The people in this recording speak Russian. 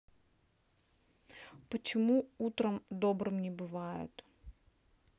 почему утром добрым не бывает